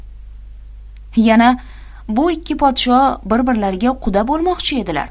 yana bu ikki podsho bir birlariga quda bo'lmoqchi edilar